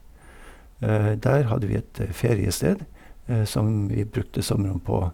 Der hadde vi et feriested som vi brukte somrene på.